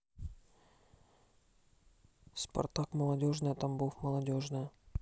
спартак молодежная тамбов молодежная